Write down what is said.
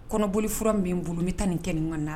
Kɔnɔoli fura min n bolo bɛ taa nin kɛ nin ka na